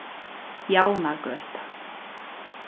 javnagøta